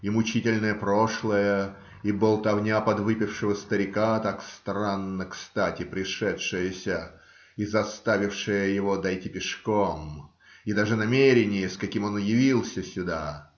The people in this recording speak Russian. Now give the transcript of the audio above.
и мучительное прошлое, и болтовня подвыпившего старика, так странно кстати пришедшаяся и заставившая его дойти пешком, и даже намерение, с каким он явился сюда.